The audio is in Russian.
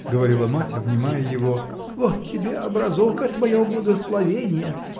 – говорила мать, обнимая его, – вот тебе образок это мое благословение.